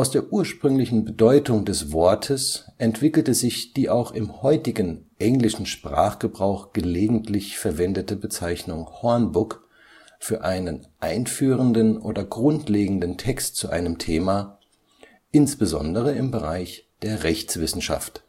der ursprünglichen Bedeutung des Wortes entwickelte sich die auch im heutigen englischen Sprachgebrauch gelegentlich verwendete Bezeichnung “Hornbook” für einen einführenden oder grundlegenden Text zu einem Thema, insbesondere im Bereich der Rechtswissenschaft